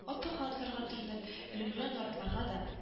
Ап-ак хатларга төренеп өлгергән наратларга да